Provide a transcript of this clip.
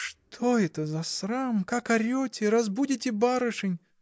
— Что это за срам, как орете: разбудите барышень!